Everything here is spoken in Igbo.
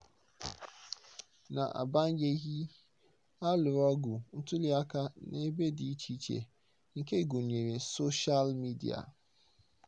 N'abanyeghị, a lụrụ ọgụ ntuliaka n'ebe dị iche iche, nke gụnyere soshal midịa.